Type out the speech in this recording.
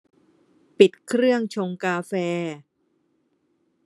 ปิดเครื่องชงกาแฟ